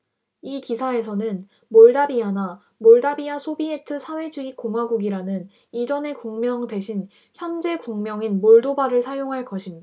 이 기사에서는 몰다비아나 몰다비아 소비에트 사회주의 공화국이라는 이전의 국명 대신 현재 국명인 몰도바를 사용할 것임